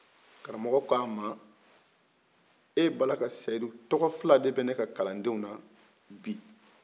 karamɔgɔ ko a man e b'a la ka sedutɔgɔ fila de bɛ ne ka kalandenw na bi